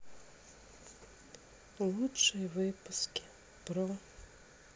лучшие выпуски про